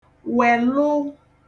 wèlụ